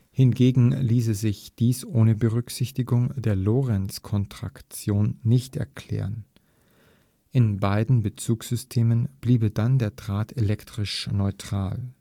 Hingegen ließe sich dies ohne Berücksichtigung der Lorentzkontraktion nicht erklären. In beiden Bezugssystemen bliebe dann der Draht elektrisch neutral